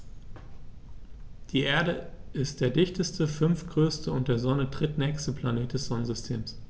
Die Erde ist der dichteste, fünftgrößte und der Sonne drittnächste Planet des Sonnensystems.